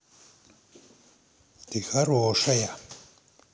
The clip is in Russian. ты хорошая